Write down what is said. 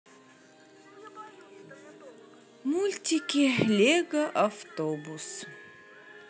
мультики лего автобус